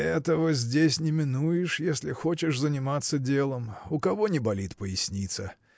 – Этого здесь не минуешь, если хочешь заниматься делом. У кого не болит поясница?